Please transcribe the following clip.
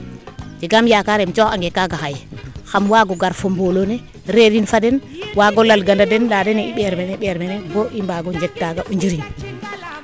jegaam yakaar im coox ange kaaga xaye xam waago gar fo mboolo ne reeriun fa den wago lal gana den waago leya dene i mbeer mene i mbeer mene bo i mbaago njeg taaga o njiriñ